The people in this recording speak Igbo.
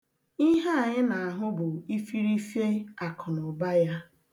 Ihe a ị na-ahụ bụ ifirife akụnụụba ya.